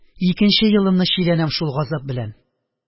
– икенче елымны чиләнәм шул газап белән.